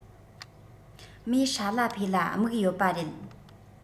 མོས ཧྲ ལ ཕོས ལ དམིགས ཡོད པ རེད